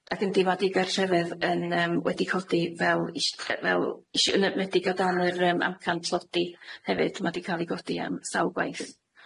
Ag yndi, ma' digartrefedd yn yym wedi codi fel ish- fel ish- yn siomedig o dan yr yym amcan tlodi hefyd. Ma' 'di ca'l 'i godi am sawl gwaith.